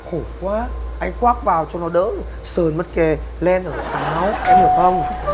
khổ quá anh khoác vào cho nó đỡ sờn mất cái len áo em hiểu không